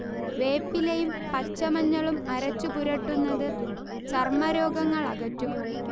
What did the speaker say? വേപ്പിലയും പച്ചമഞ്ഞളും അരച്ചു പുരട്ടുന്നത് ചർമ രോഗങ്ങളകറ്റും